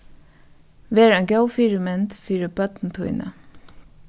ver ein góð fyrimynd fyri børn tíni